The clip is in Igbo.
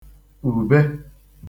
ùbe